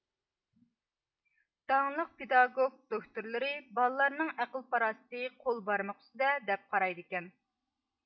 داڭلىق پېداگوك دوكتورلىرى بالىلارنىڭ ئەقىل پاراستى قول بارمىقى ئۈستىدە دەپ قارايدىكەن